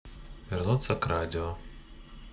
вернуться к радио